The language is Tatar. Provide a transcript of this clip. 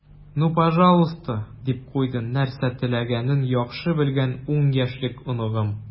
"ну пожалуйста," - дип куйды нәрсә теләгәнен яхшы белгән ун яшьлек оныгым.